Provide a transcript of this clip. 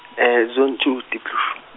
zone two, Diepkloof.